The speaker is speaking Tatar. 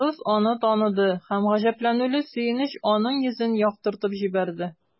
Кыз аны таныды һәм гаҗәпләнүле сөенеч аның йөзен яктыртып җибәрде.